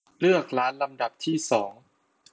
เลือกลำดับที่สอง